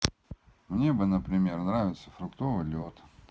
мне бы например нравиться фруктовый лед